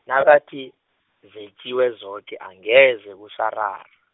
nakathi, zetjiwe zoke angeze kusarara.